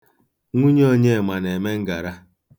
Nwunye Onyema na-eme ngara.